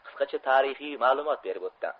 qisqacha tarixiy ma'lumot berib o'tdi